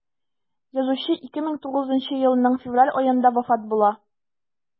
Язучы 2009 елның февраль аенда вафат була.